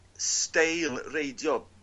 steil reidio